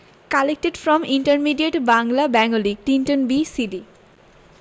collected from intermediate Bangla Bengali Clinton B Seely